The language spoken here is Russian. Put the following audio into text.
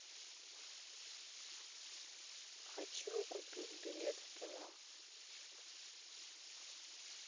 хочу купить билет в кино